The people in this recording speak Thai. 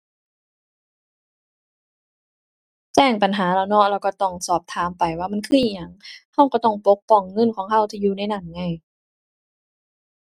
แจ้งปัญหาแหล้วเนาะ แล้วก็ต้องสอบถามไปว่ามันคืออิหยัง ก็ก็ต้องปกป้องเงินของก็ที่อยู่ในนั้นไง